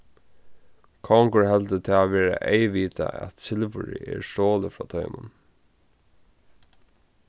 kongur heldur tað vera eyðvitað at silvurið er stolið frá teimum